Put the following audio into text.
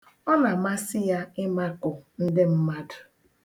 Ọ na-amasị ya ịmakụ ndị mmadụ.